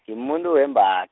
ngimumuntu wemba-.